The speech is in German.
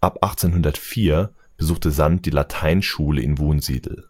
Ab 1804 besuchte Sand die Lateinschule in Wunsiedel